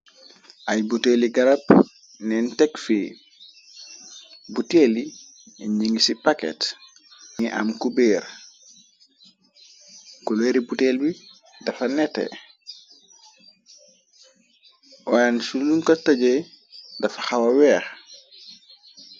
Ay botale garab neen teg fi botale yi nyun ci paket ni am cubeer cubeeri botale bi dafa nete yai si lun ko teck dafa xawa weex.